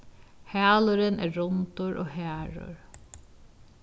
hælurin er rundur og harður